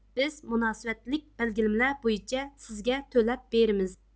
بىز مۇناسىۋەتلىك بەلگىلىمىلەر بويىچە سىزگە تۆلەپ بېرىمىز